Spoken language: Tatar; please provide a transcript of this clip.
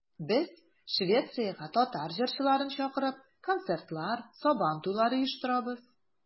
Без, Швециягә татар җырчыларын чакырып, концертлар, Сабантуйлар оештырабыз.